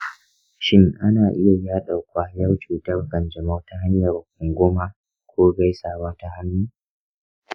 shin ana iya yaɗa ƙwayar cutar kanjamau ta hanyar runguma ko gaisawa ta hannu?